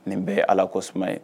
Nin bɛɛ ye allah kosuma ye.